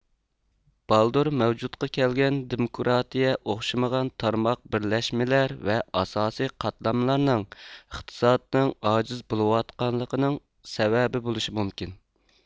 بالدۇر مەۋجۇدقا كەلگەن دېمۇكىراتىيە ئوخشىمىغان تارماق بىرلەشمىلەر ۋە ئاساسىي قاتلاملارنىڭ ئېقتىسادنىڭ ئاجىز بولىۋاتقانلىقىنىڭ سەۋەبى بولىشى مۇمكىن